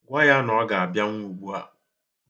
Gwa ya na ọ ga-abịanwu ugbua.